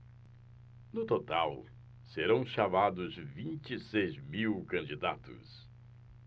no total serão chamados vinte e seis mil candidatos